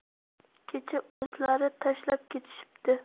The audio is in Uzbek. kecha o'zlari tashlab ketishibdi